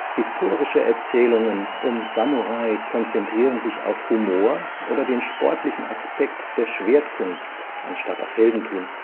Historische Erzählungen um Samurai konzentrieren sich auf Humor oder den sportlichen Aspekt der Schwertkunst anstatt auf Heldentum